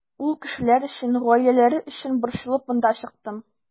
Ул кешеләр өчен, гаиләләре өчен борчылып монда чыктым.